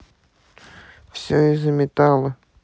все из за металла